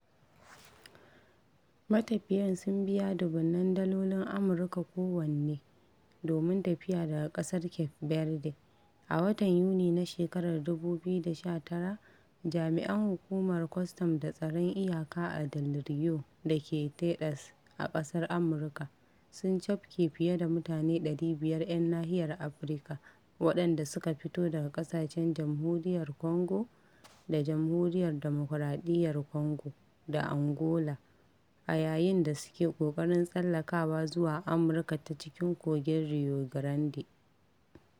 Matafiyan sun biya "dubunnan dalolin Amurka kowanne" domin tafiya daga ƙasar Cape ɓerde. A watan Yuni na shekarar 2019, jami'an Hukumar Kwastam da Tsaron Iyaka a Del Rio da ke Teɗas a ƙasar Amurka sun cafke fiye da mutane 500 'yan nahiyar Afirka waɗanda suka fito daga ƙasashen Jamhuriyar Kongo da Jamhuriyar Dimukraɗiyyar Kongo da Angola a yayin da suke ƙoƙarin tsallakawa zuwa Amurka ta cikin Kogin Rio Grande.